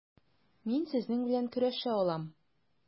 Мин сезнең белән көрәшә алам.